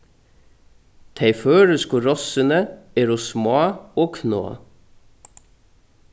tey føroysku rossini er smá og kná